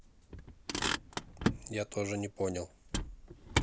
я тоже не понял